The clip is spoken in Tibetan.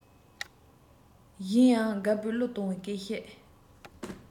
གཞན ཡང དགའ པོའི གླུ གཏོང བའི སྐད ཤེད